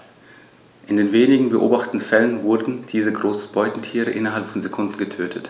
In den wenigen beobachteten Fällen wurden diese großen Beutetiere innerhalb von Sekunden getötet.